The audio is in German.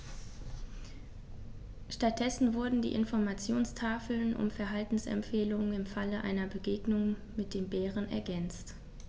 Stattdessen wurden die Informationstafeln um Verhaltensempfehlungen im Falle einer Begegnung mit dem Bären ergänzt.